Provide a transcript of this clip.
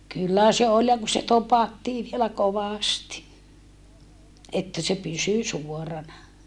kyllä se oli ja kun se topattiin vielä kovasti että se pysyi suorana